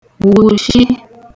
wụ̀shị